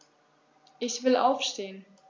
Ich will aufstehen.